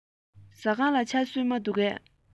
ཟ ཁང ལ ཇ སྲུབས མ འདུག གས